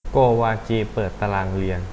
โกวาจีเปิดตารางเรียน